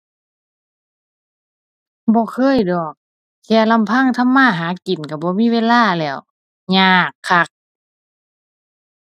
บ่เคยดอก แค่ลำพังทำมาหากินก็บ่มีเวลาแล้ว ยากคัก